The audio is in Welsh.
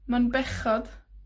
Ma'n bechod